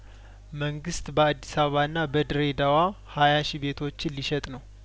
መንግስት በአዲስ አባና በድሬዳዋ ሀያ ሺ ቤቶችን ሊሸጥ ነው